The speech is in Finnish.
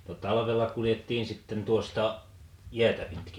no talvella kuljettiin sitten tuosta jäätä pitkin